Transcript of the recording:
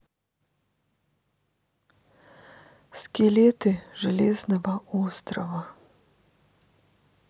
скелеты железного острова